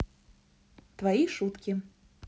твои шутки